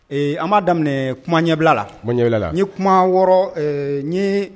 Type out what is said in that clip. Ee an b' daminɛ kuma ɲɛbila la bon ɲɛɛlɛla ni kuma wɔɔrɔ n